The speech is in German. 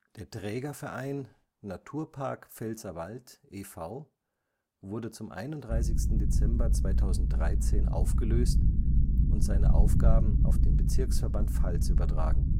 Der Trägerverein Naturpark Pfälzerwald e. V. wurde zum 31. Dezember 2013 aufgelöst und seine Aufgaben auf den Bezirksverband Pfalz übertragen